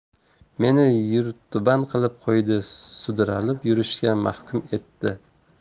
meni yertuban qilib qo'ydi sudralib yurishga mahkum etdi